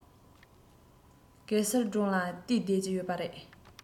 གེ སར སྒྲུང ལ བལྟས བསྡད ཀྱི ཡོད པ རེད